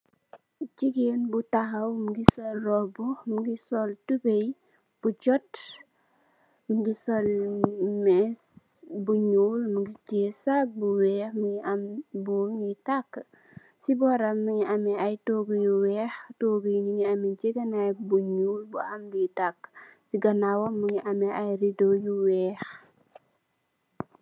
Jigéen bu tahaw mungi sol robbu, mungi sol tubeye bu jott, mungi sol mèss bu ñuul mungi tè sagg bu weeh am buum yi takk. Chi boram mungi ameh ay toogu yu weeh, toog yi nungi ameh ngegenaay bu ñuul bu am bi takk. Ci ganaawam mungi ameh ay riddo yu weeh.